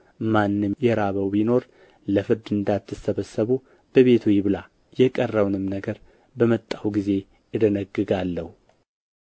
ማንም የራበው ቢኖር ለፍርድ እንዳትሰበሰቡ በቤቱ ይብላ የቀረውንም ነገር በመጣሁ ጊዜ እደነግጋለሁ